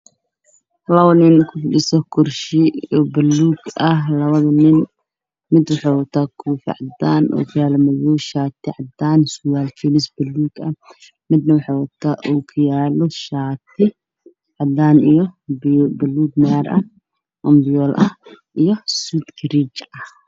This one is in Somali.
Labo nin ku fadhiso kursi bulug ah labada nin mid wuxu wata koofi cadan ah okiyal madow shati cadan surwal jeemis bulugah Mid wuxu wata okiyalo shaati cadan iyoh bulug mar ah iyoh sud kirijah